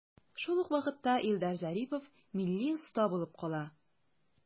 Шул ук вакытта Илдар Зарипов милли оста булып кала.